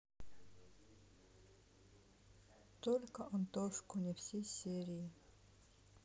только антошку не все серии